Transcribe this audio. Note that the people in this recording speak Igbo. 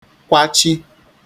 kwachī